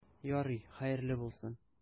Ярый, хәерле булсын.